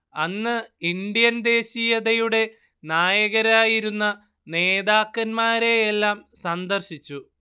അന്ന് ഇൻഡ്യൻ ദേശീയതയുടെ നായകരായിരുന്ന നേതാക്കന്മാരെയെല്ലാം സന്ദർശിച്ചു